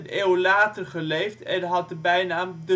eeuw later geleefd en had de bijnaam